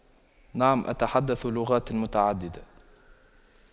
نعم أتحدث لغات متعددة